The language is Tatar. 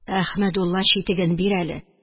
Әхмәдулла читеген бир әле